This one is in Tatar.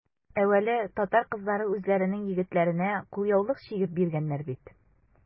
Әүвәле татар кызлары үзләренең егетләренә кулъяулык чигеп биргәннәр бит.